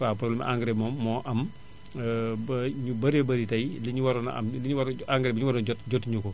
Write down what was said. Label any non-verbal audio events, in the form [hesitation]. waaw problème mu engrais moom moo am [hesitation] ba ñu baree bari tay li ñu waroon a am li ñu waroon a engrais bi ñu waroon a jot jotuñu ko